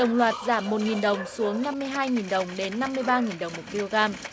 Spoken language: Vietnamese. đồng loạt giảm một nghìn đồng xuống năm hai nghìn đồng đến năm mươi ba nghìn đồng một ki lô gam